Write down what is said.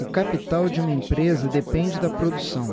o capital de uma empresa depende da produção